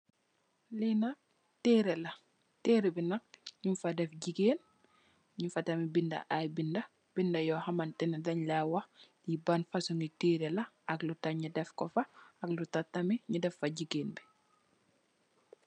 Li nak teereh la, teereh bi nak nung fa def jigèen, nung fa def tamit ay binda. Binda yu hamantene den la wah ban fa sungi teereh la ak lu tah nu def ko fa, ak lu tah tamit nu def fa Jigéen bi.